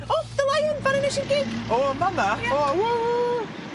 O the Lion fana nesh i'r gig. O yn fana? Ia. O ww ww.